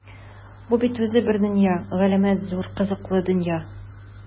Бу бит үзе бер дөнья - галәмәт зур, кызыклы дөнья!